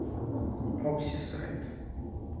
окси сайт